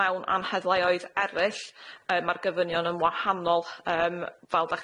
Mewn anheddleoedd eryll yy ma'r gofynion yn wahanol yym fel dach